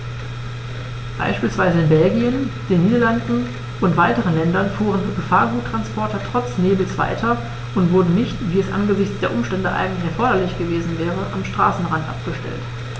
Beispielsweise in Belgien, den Niederlanden und weiteren Ländern fuhren Gefahrguttransporter trotz Nebels weiter und wurden nicht, wie es angesichts der Umstände eigentlich erforderlich gewesen wäre, am Straßenrand abgestellt.